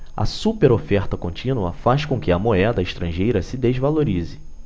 a superoferta contínua faz com que a moeda estrangeira se desvalorize